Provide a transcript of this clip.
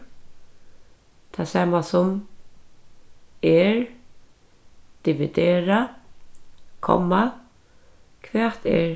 tað sama sum er dividera komma hvat er